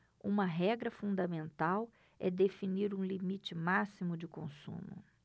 uma regra fundamental é definir um limite máximo de consumo